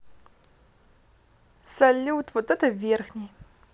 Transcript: салют вот этот верхний